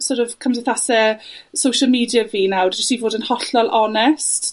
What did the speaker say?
so't of cymdeithase social media fi nawr jys i fod yn hollol onest.